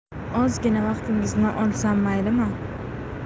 ozgina vaqtingizni olsam maylimi